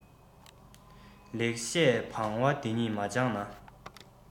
ལེགས བཤད བང བ འདི གཉིས མ སྦྱངས ན